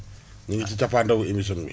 ñu ngi ci càppaandawu émission bi